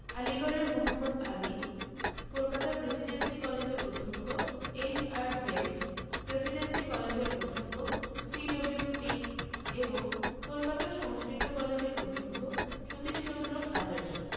আলীগড়ের Mohammad Ali Kolkata presidency কলেজের অধ্যক্ষ H R James presidency কলেজের অধ্যাপক সি.ডব্লিউ পিক এবং কলকাতা সংস্কৃত কলেজের অধ্যক্ষ সতীশচন্দ্র আচার্য